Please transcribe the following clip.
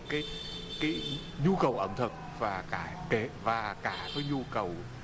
kí kí nhu cầu ẩm thực và cả kể và cả với nhu cầu